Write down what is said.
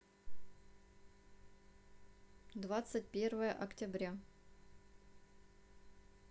двадцать первое октября